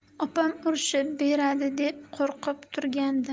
opam urishib beradi deb qo'rqib turgandim